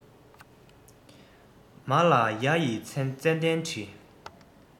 མ ལ ཡ ཡི ཙན དན དྲི